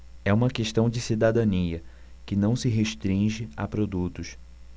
é uma questão de cidadania que não se restringe a produtos